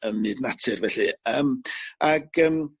ym myd natur felly yym ag yym